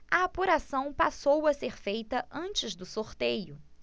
a apuração passou a ser feita antes do sorteio